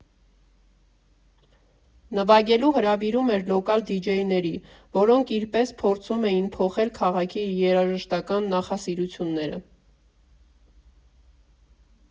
Նվագելու հրավիրում էր լոկալ դիջեյների, որոնք իր պես փորձում էին փոխել քաղաքի երաժշտական նախասիրությունները։